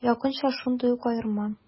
Якынча шундый ук аерма.